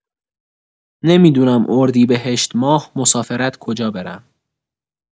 نمی‌دونم اردیبهشت‌ماه مسافرت کجا برم.